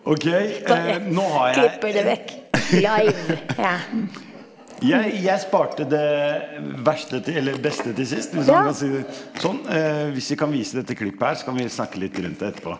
ok nå har jeg jeg jeg sparte det verste til eller beste til sist, hvis man kan si det sånn , hvis vi kan vise dette klippet her så kan vi snakke litt rundt etterpå.